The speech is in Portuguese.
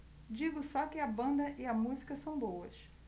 digo só que a banda e a música são boas